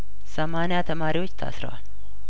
ሰማኒያተማሪዎች ታስረዋል